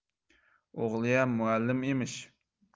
o'g'liyam muallim emish